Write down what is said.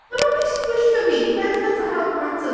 Dyma be sy'n gwylltio fi. Men's mental health matters...